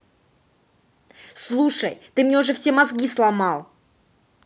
слушай ты меня уже все мозги сломал